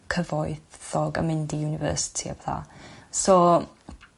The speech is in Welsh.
cyfoethog y mynd i university a petha. So